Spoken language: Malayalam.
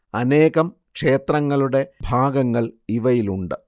അനേകം ക്ഷേത്രങ്ങളുടെ ഭാഗങ്ങൾ ഇവയിലുണ്ട്